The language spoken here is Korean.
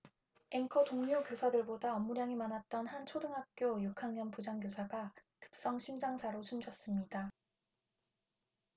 앵커 동료 교사들보다 업무량이 많았던 한 초등학교 육 학년 부장교사가 급성심장사로 숨졌습니다